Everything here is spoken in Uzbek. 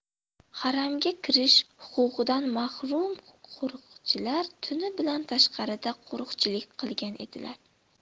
haramga kirish huquqidan mahrum qo'rchilar tuni bilan tashqarida qo'riqchilik qilgan edilar